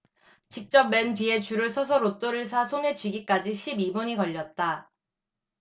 직접 맨 뒤에 줄을 서서 로또를 사 손에 쥐기까지 십 이 분이 걸렸다